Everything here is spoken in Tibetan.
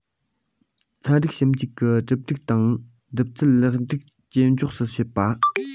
ཚན རིག ཞིབ འཇུག གི བཀོད སྒྲིག དང གྲུབ ཚུལ ལེགས སྒྲིག ཇེ མགྱོགས སུ བྱེད པ